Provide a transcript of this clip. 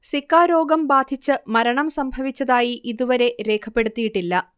Zika രോഗം ബാധിച്ചു മരണം സംഭവിച്ചതായി ഇതുവരെ രേഖപ്പെടുത്തിയിട്ടില്ല